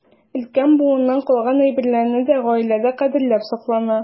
Өлкән буыннан калган әйберләр дә гаиләдә кадерләп саклана.